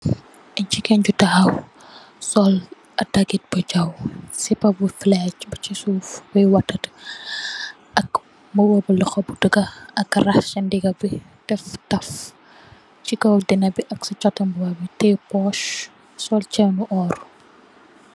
Gigain ju takhaw sol ah dahgit bu jaw, zipah bu flehyarr beh chi suff mui watatu, ak mbuba bu lokhor bu duga, ak raah chi ndigah bii, deff taff chi kaw dehnah bii ak cii chaatu mbuba bii, tiyeh porse, sol chainu ohrre.